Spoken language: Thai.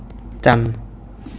จันทร์